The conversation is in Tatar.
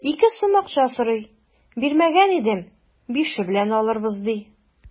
Ике сум акча сорый, бирмәгән идем, бише белән алырбыз, ди.